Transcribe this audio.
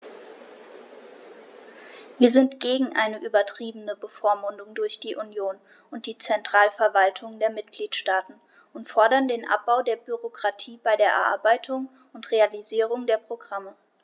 Wir sind gegen eine übertriebene Bevormundung durch die Union und die Zentralverwaltungen der Mitgliedstaaten und fordern den Abbau der Bürokratie bei der Erarbeitung und Realisierung der Programme.